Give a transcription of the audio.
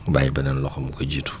bàyyi beneen loxo mu koy jiitu